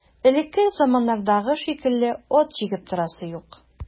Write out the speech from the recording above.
Элекке заманнардагы шикелле ат җигеп торасы юк.